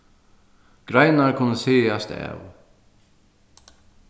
greinar kunnu sagast av